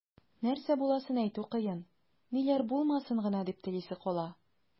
Нәрсә буласын әйтү кыен, ниләр булмасын гына дип телисе кала.